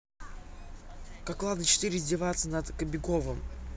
как влада четыре издевается над кобяковым